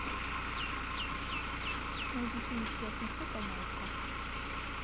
найди финист ясный сокол на окко